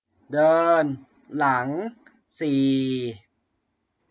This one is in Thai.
เดินหลังสี่